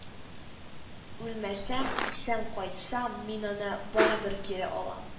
Үлмәсәм, исән кайтсам, мин аны барыбер кире алам